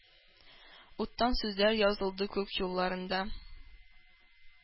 Уттан сүзләр язылды күк юлларында.